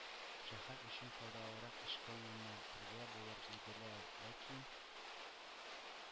Шәһәр өчен файдалырак эшкә юнәтергә булыр иде дә, ләкин